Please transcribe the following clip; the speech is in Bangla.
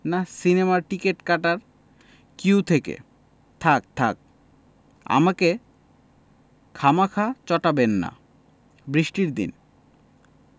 না সিনেমার টিকিট কাটার কিউ থেকে থাক্ থাক্ আমাকে খামাখা চটাবেন না বৃষ্টির দিন